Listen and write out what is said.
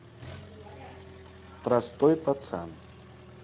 простой пацан